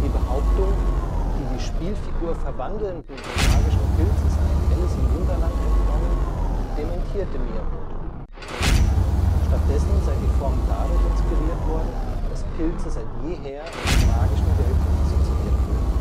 Behauptung, die die Spielfigur verwandelnden magischen Pilze seien Alice im Wunderland entnommen, dementierte Miyamoto. Stattdessen sei die Form dadurch inspiriert worden, dass Pilze seit jeher mit magischen Welten assoziiert würden